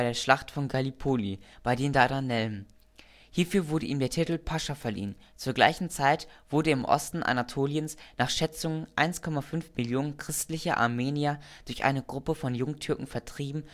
Schlacht von Gallipoli bei den Dardanellen; hierfür wurde ihm der Titel Pascha verliehen. Zur gleichen Zeit wurden im Osten Anatoliens nach Schätzungen 1,5 Mio. christliche Armenier durch eine Gruppe von Jungtürken vertrieben